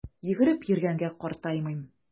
Йөгереп йөргәнгә картаймыйм!